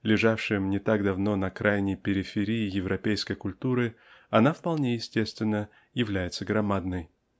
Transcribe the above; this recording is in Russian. лежавшем не так давно на крайней периферии европейской культуры она вполне естественно является громадной.